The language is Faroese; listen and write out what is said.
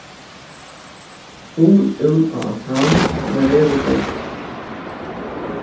hurð út á altan sum er veðurgóð